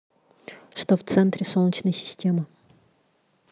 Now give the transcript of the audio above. что в центре солнечной системы